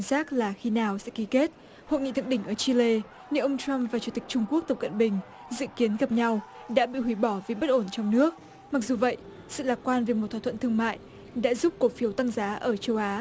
xác là khi nào sẽ ký kết hội nghị thượng đỉnh ở chi lê nếu ông trăm và chủ tịch trung quốc tập cận bình dự kiến gặp nhau đã bị hủy bỏ vì bất ổn trong nước mặc dù vậy sự lạc quan về một thỏa thuận thương mại đã giúp cổ phiếu tăng giá ở châu á